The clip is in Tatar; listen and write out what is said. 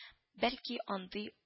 Бәлки андый